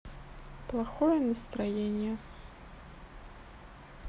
плохое настроение